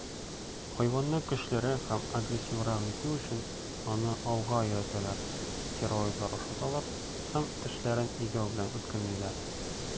Хайванны көчлерәк һәм агрессиврак итү өчен, аны ауга өйрәтәләр, стероидлар ашаталар һәм тешләрен игәү белән үткенлиләр.